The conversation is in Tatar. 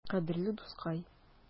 Кадерле дускай!